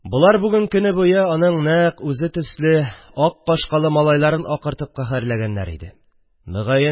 Болар бүген көне буе аның нәкъ үзе төсле ак кашкалы малайларын акыртып каһәрләгәннәр иде, могаен